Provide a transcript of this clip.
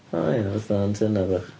O ia, fatha antenna bach.